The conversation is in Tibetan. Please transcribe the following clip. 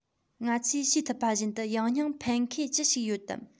ང ཚོས ཤེས ཐུབ པ བཞིན དུ ཡང སྙིང ཕན ཁེ ཅི ཞིག ཡོད དམ